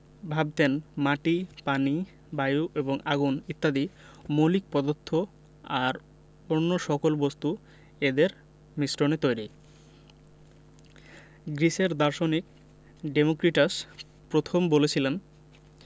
ভাবতেন মাটি পানি বায়ু এবং আগুন ইত্যাদি মৌলিক পদার্থ আর অন্য সকল বস্তু এদের মিশ্রণে তৈরি গ্রিসের দার্শনিক ডেমোক্রিটাস প্রথম বলেছিলেন